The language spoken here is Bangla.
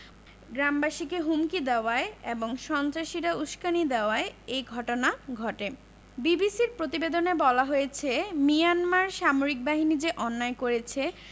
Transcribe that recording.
গ্রামবাসীকে হুমকি দেওয়ায় এবং সন্ত্রাসীরা উসকানি দেওয়ায় এ ঘটনা ঘটে বিবিসির প্রতিবেদনে বলা হয়েছে মিয়ানমার সামরিক বাহিনী যে অন্যায় করেছে